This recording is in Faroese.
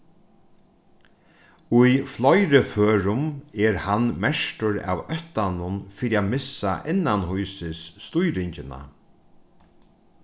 í fleiri førum er hann merktur av óttanum fyri at missa innanhýsis stýringina